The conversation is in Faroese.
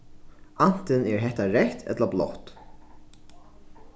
antin er hetta reytt ella blátt